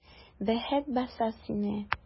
Бәхет баса сине!